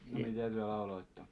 no mitä te lauloitte